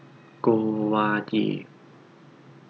โกวาจี